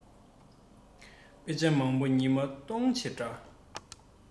དཔེ ཆ མང བོ ཉི མ གཏོང བྱེད འདྲ